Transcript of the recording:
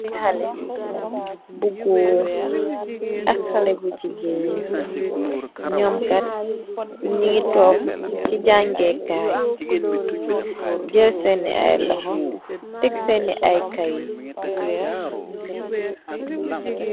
Ay haleh bu goor ak haleh bu jegain num kate nuge tonke se jagekay jel sene aye lohou tek sene aye keyete.